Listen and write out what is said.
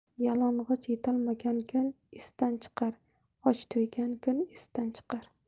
yalang'och yetolgan kun esdan chiqar och to'ygan kun esdan chiqar